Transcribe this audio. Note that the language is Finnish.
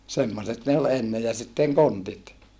semmoiset ne oli ennen ja sitten kontit